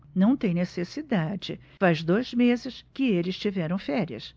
não tem necessidade faz dois meses que eles tiveram férias